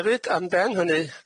Hefyd am ben hynny